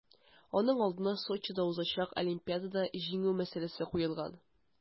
Аның алдына Сочида узачак Олимпиадада җиңү мәсьәләсе куелган.